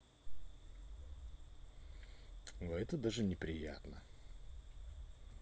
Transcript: ой это даже неприятно